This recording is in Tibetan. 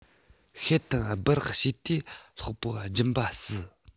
ཤེལ དམ སྦི རག བྱེད དུས སློག སྤོ འབྱིན པ སྲིད